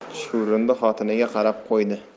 chuvrindi xotiniga qarab qo'ydi